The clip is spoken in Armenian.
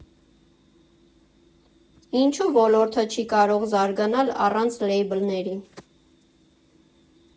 Ինչու ոլորտը չի կարող զարգանալ առանց լեյբլների.